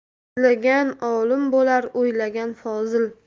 izlagan olim bo'lar o'ylagan fozil